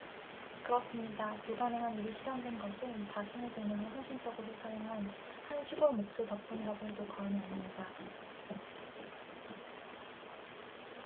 그렇습니다 불가능한 일이 실현된 것은 자신의 재능을 헌신적으로 사용한 한 시골 목수 덕분이라고 해도 과언이 아닙니다